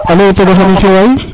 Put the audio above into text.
alo o pogoxe nam fio waay